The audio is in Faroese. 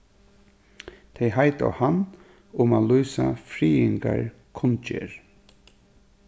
tey heita á hann um at lýsa friðingarkunngerð